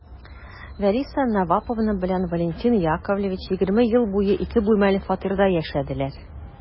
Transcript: Вәриса Наваповна белән Валентин Яковлевич егерме ел буе ике бүлмәле фатирда яшәделәр.